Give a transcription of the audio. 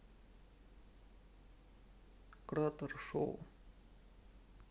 кратер шоу